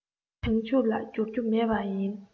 བྱང ཆུབ ལ འགྱུར དུ མེད པ ཡིན